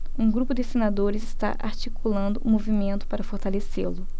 um grupo de senadores está articulando um movimento para fortalecê-lo